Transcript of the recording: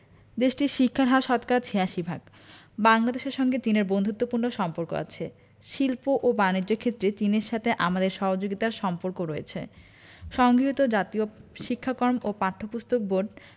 দেশটির শিক্ষার হার শতকরা ৮৬ ভাগ বাংলাদেশের সঙ্গে চীনের বন্ধুত্বপূর্ণ সম্পর্ক আছে শিল্প ও বানিজ্য ক্ষেত্রে চীনের সাথে আমাদের সহযোগিতার সম্পর্ক রয়েছে সংগৃহীত জাতীয় শিক্ষাক্রম ও পাঠ্যপুস্তক বোর্ড